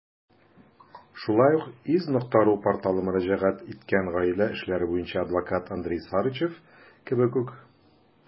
Шулай ук iz.ru порталы мөрәҗәгать иткән гаилә эшләре буенча адвокат Андрей Сарычев кебек үк.